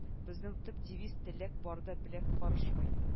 Безнең төп девиз теләк барда беләк карышмый